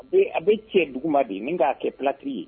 Bi a bɛ cɛ dugu ma de ye nin k'a kɛ pti ye